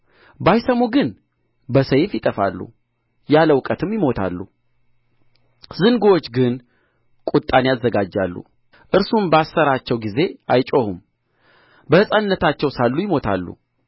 ባይሰሙ ግን በሰይፍ ይጠፋሉ ያለ እውቀትም ይሞታሉ ዝንጉዎች ግን ቍጣን ያዘጋጃሉ እርሱም ባሰራቸው ጊዜ አይጮኹም በሕፃንነታቸው ሳሉ ይሞታሉ